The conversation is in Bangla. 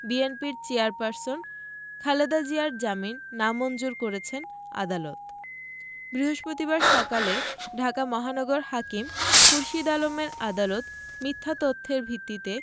বিএনপির চেয়ারপারসন খালেদা জিয়ার জামিন নামঞ্জুর করেছেন আদালত বৃহস্পতিবার সকালে ঢাকা মহানগর হাকিম খুরশীদ আলমের আদালত মিথ্যা তথ্যের ভিত্তিতে